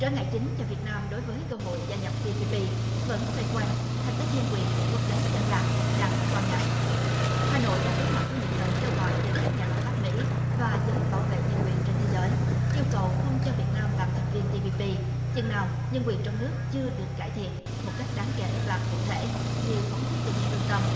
trở ngại chính cho việt nam đối với cơ hội gia nhập ti pi pi vẫn xoay quanh thành tích nhân quyền bị quốc tế xem là đáng quan ngại hà nội đang đối mặt với những lời kêu gọi từ các nhà lập pháp mỹ và giới bảo vệ nhân quyền trên thế giới yêu cầu không cho việt nam làm thành viên ti pi pi chừng nào nhân quyền trong nước chưa được cải thiện một cách đáng kể và cụ thể như phóng thích tù nhân lương tâm